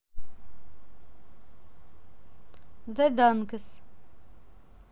the darkness